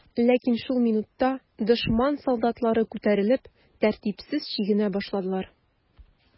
Ләкин шул минутта дошман солдатлары күтәрелеп, тәртипсез чигенә башладылар.